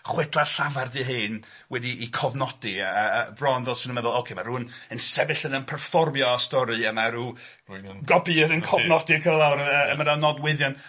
Chwedlau llafar 'di 'hein wedi'i cofnodi a- a bron fel 'se nhw'n meddwl, ocê, mae rhywun yn sefyll yna yn perfformio y stori, a mae 'na rhyw gopïydd yn cofnodi'r cyfan lawr a ma 'na nodweddion...